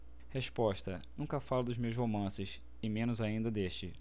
resposta nunca falo de meus romances e menos ainda deste